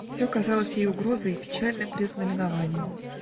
все казалось ей угрозой и печальным предзнаменованием.